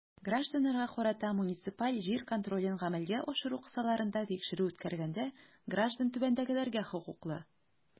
Гражданнарга карата муниципаль җир контролен гамәлгә ашыру кысаларында тикшерү үткәргәндә граждан түбәндәгеләргә хокуклы.